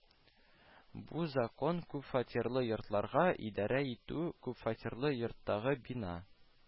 Бу Закон күпфатирлы йортларга идарә итү, күпфатирлы йорттагы бина